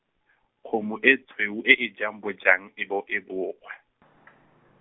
kgomo e tshweu e e jang bojang e bo e bo kgwe .